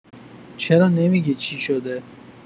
چرا نمی‌گی چی شده؟